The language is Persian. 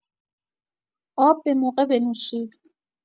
آب به‌موقع بنوشید.